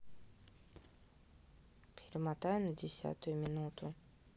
перемотай на десятую минуту